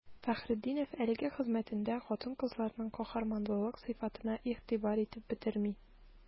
Фәхретдинов әлеге хезмәтендә хатын-кызларның каһарманлылык сыйфатына игътибар итеп бетерми.